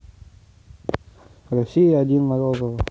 россия один морозова